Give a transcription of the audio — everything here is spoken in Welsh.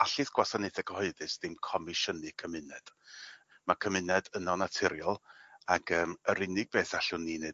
allith gwasanaethe cyhoeddus ddim comisiynu cymuned. Ma' cymuned yno naturiol ag yym yr unig beth allwn ni neud